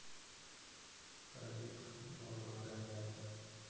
хабиб нурмагомедов